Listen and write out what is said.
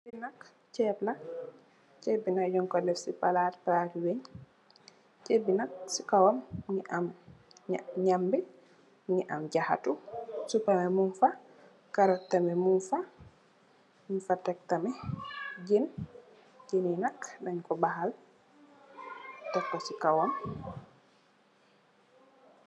Li nak chèb la, chèb bi nak nung ko def ci palaat, palaat ti wènn. Chèb bi nak ci kawam mungi am nyambi, mungi am jahatu, supamè mung fa, carrot tamit mung fa. Nung fa tekk tamit jën, jën yi nak den ko bahal tek ko ci kawam.